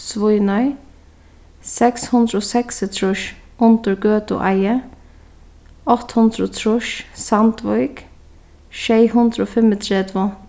svínoy seks hundrað og seksogtrýss undir gøtueiði átta hundrað og trýss sandvík sjey hundrað og fimmogtretivu